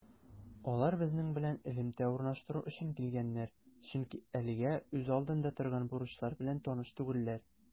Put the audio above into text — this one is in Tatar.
Алар безнең белән элемтә урнаштыру өчен килгәннәр, чөнки әлегә үз алдында торган бурычлар белән таныш түгелләр.